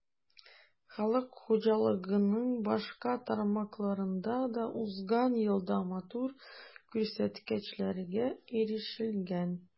Халык хуҗалыгының башка тармакларында да узган елда матур күрсәткечләргә ирешелгән.